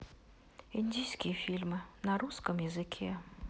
индийские фильмы на русском языке